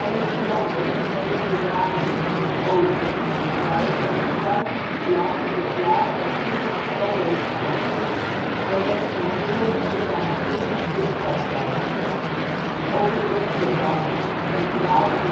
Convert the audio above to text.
dit kroonwerk is heden ten dage niets meer over maar er zijn struiken geplant op de plaats waar vroeger het kroonwerk stond zodat de contouren hiervan zeer goed zichtbaar zijn. Ook het restaurant, centraal in